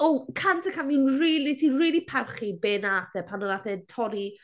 O 100 a 100 . Fi'n rili dwi'n rili parchu be wnaeth e pan wnaeth e torri...